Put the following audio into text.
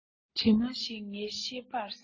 གྲིབ མ ཞིག ངའི ཤེས པར ཟགས བྱུང